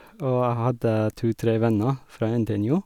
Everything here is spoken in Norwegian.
Og jeg hadde to tre venner fra NTNU.